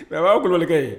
ça va Kulibalikɛ